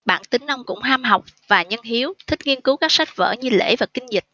bản tính ông cũng ham học và nhân hiếu thích nghiên cứu các sách vở như lễ và kinh dịch